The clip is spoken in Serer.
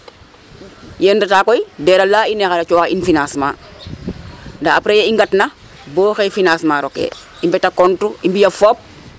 Yeen ndeta koy DER a laya in ee xaya coox a in financement ndaa aprés yee i ngatna bo xay financement rokee i mbeta compte i mbi'aa fop.